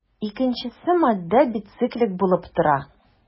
Икенчесе матдә бициклик булып тора.